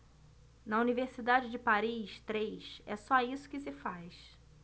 na universidade de paris três é só isso que se faz